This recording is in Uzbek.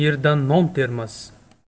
yerdan non termas